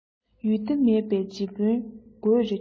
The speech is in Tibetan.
ཡུལ སྡེ མེད པའི རྗེ དཔོན དགོད རེ བྲོ